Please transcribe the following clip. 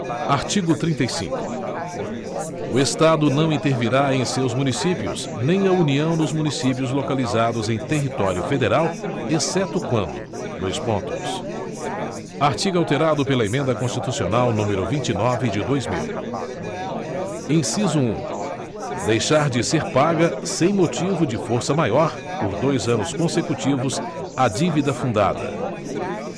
artigo trinta e cinco o estado não intervirá em seus municípios nem a união nos municípios localizados em território federal exceto quando dois pontos artigo alterado pela emenda constitucional número vinte e nove de dois mil inciso um deixar de ser paga sem motivo de força maior por dois anos consecutivos a dívida fundada